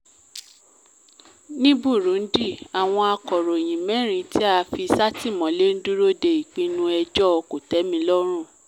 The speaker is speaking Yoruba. Ní Burundi, àwọn akọ̀ròyìn mẹ́rin tí a fi sátìmọ́lé ń dúró de ìpinnu ẹjọ́ kòtẹ́milọ́rùn